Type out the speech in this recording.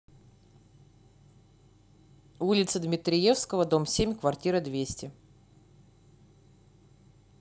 улица дмитриевского дом семь квартира двести